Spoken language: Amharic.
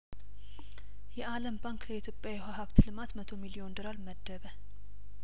የአለም ባንክ ለኢትዮጵያ የውሀ ሀብት ልማት መቶ ሚሊዮን ዶላር መደበ